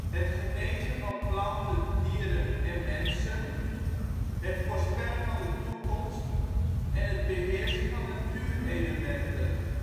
het genezen van planten, dieren en mensen, het voorspellen van de toekomst en het beheersen van natuurelementen